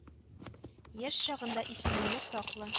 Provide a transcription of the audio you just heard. Яшь чагында исемеңне сакла